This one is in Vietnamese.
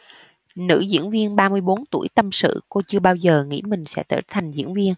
nữ diễn viên ba mươi bốn tuổi tâm sự cô chưa bao giờ nghĩ mình sẽ trở thành diễn viên